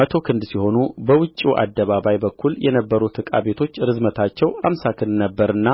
መቶ ክንድ ሲሆን በውጭው አደባባይ በኩል የነበሩት ዕቃ ቤቶች ርዝመታቸው አምሳ ክንድ ነበረና